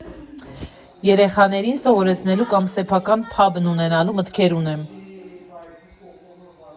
Երեխաներին սովորացնելու կամ սեփական փաբն ունենալու մտքեր ունեմ։